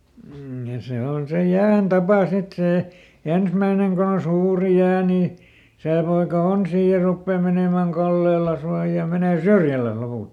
ja se on se jään tapa sitten se ensimmäinen kun on suuri jää niin se poika on siinä ja rupeaa menemään kallellensa ja menee syrjällensä lopulta